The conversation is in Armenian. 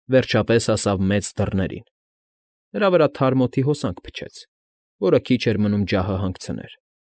Վերջապես հասավ մեծ դռներին։ Նրա վրա թարմ օդի հոսանք փչեց, որը քիչ էր մնում ջահը հանգցներ։